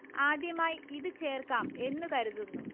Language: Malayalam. ആദ്യമായി ഇത് ചേർക്കാം എന്ന് കരുതുന്നു